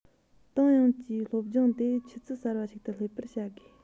ཏང ཡོངས ཀྱི སློབ སྦྱོང དེ ཆུ ཚད གསར པ ཞིག ཏུ སླེབས པར བྱ དགོས